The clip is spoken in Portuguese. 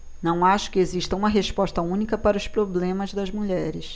não acho que exista uma resposta única para os problemas das mulheres